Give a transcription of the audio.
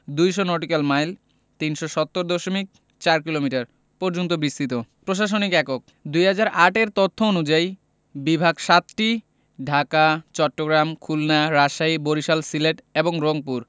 ২০০ nautical mile ৩৭০ দশমিক ৪ kilometre পর্যন্ত বিস্তৃত প্রশাসনিক এককঃ ২০০৮ এর তথ্য অনুযায়ী বিভাগ ৭টি ঢাকা চট্টগ্রাম খুলনা রাজশাহী বরিশাল সিলেট এবং রংপুর